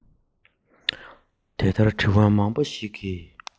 དེ ལྟར དྲི བ མང པོ ཞིག གི